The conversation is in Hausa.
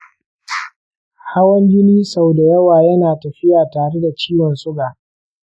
hawan jini sau da yawa yana tafiya tare da ciwon suga